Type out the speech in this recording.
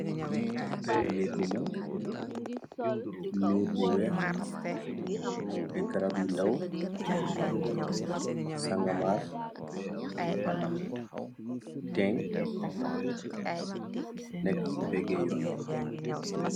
Neeg bu mag miir bu weex ay garab yi ndaw sanga mar teng nekk ci péggé yoon bi